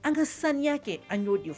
An ka saniya kɛ an y'o de